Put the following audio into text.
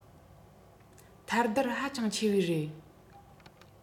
ཐལ རྡུལ ཧ ཅང ཆེ བའི རེད